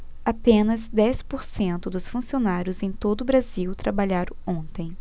apenas dez por cento dos funcionários em todo brasil trabalharam ontem